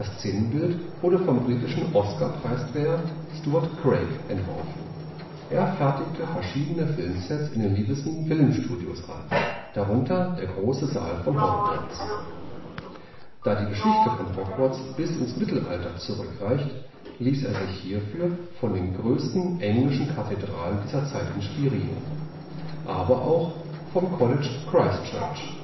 Szenenbild wurde vom britischen Oscar-Preisträger Stuart Craig entworfen. Er fertigte verschiedene Filmsets in den Leavesden Film Studios an, darunter der große Saal von Hogwarts. Da die Geschichte von Hogwarts bis ins Mittelalter zurückreicht, ließ er sich hierfür von den größten englischen Kathedralen dieser Zeit inspirieren, aber auch vom College Christ Church